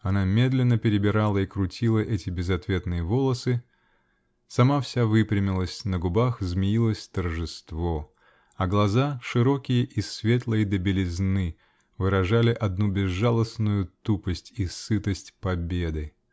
Она медленно перебирала и крутила эти безответные волосы, сама вся выпрямилась, на губах змеилось торжество -- а глаза, широкие и светлые до белизны, выражали одну безжалостную тупость и сытость победы.